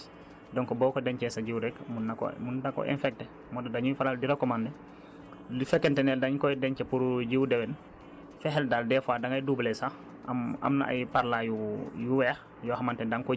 bu fekkente ne yow sa saaku bi dèjà normal lul waaye amoon na ay gunóor yu fa des donc boo ko dencee sa jiwu rekk mën na ko mun na ko infecter moo tax dañuy faral di recommander bu fekkente ne dañ koy denc pour jiwu déwén fexeel daal des fois dangay doubler sax